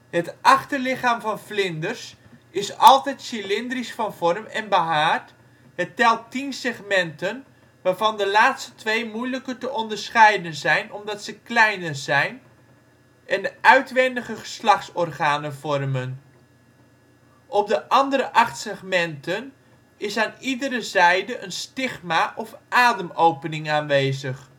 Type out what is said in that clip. Het achterlichaam van vlinders is altijd cilindrisch van vorm en behaard, het telt 10 segmenten waarvan de laatste twee moeilijker te onderscheiden zijn omdat ze kleiner zijn en de uitwendige geslachtsorganen vormen. Op de andere acht segmenten is aan iedere zijde een stigma of ademopening aanwezig